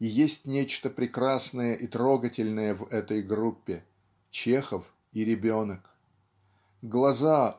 И есть нечто прекрасное и трогательное в этой группе Чехов и ребенок. Глаза